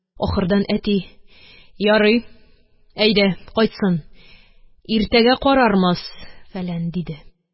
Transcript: Ярый, әйдә, кайтсын, иртәгә карармыз, фәлән, – диде